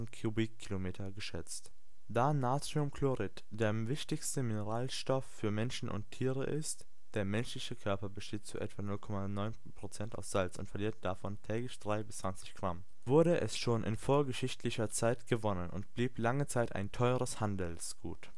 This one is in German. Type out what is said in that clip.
Kubikkilometer geschätzt. Da Natriumchlorid der wichtigste Mineralstoff für Menschen und Tiere ist (der menschliche Körper besteht zu etwa 0,9 % aus Salz und verliert davon täglich 3-20 Gramm), wurde es schon in vorgeschichtlicher Zeit gewonnen und blieb lange Zeit ein teures Handelsgut